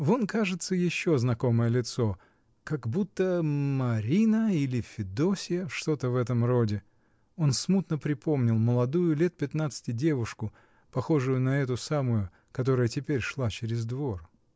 Вон, кажется, еще знакомое лицо: как будто Марина или Федосья — что-то в этом роде: он смутно припомнил молодую, лет пятнадцати девушку, похожую на эту самую, которая теперь шла через двор.